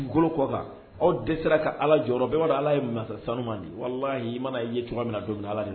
Golo kɔ aw dɛsɛ sera ka ala jɔyɔrɔbada ala ye mansa sanu ɲuman wala i mana i ye cogo min don ala de